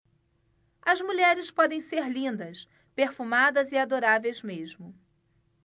as mulheres podem ser lindas perfumadas e adoráveis mesmo